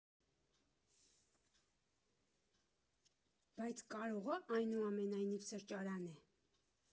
Բայց կարո՞ղ ա այնուամենայնիվ սրճարան է։